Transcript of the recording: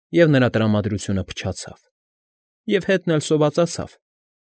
Եվ նրա տրամադրությունը փչացավ։ Եվ հետն էլ սովածացավ։